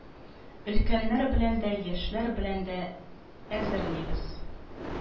Өлкәннәр белән дә, яшьләр белән дә әзерлибез